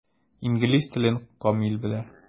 Инглиз телен камил белә.